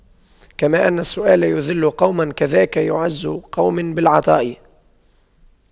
كما أن السؤال يُذِلُّ قوما كذاك يعز قوم بالعطاء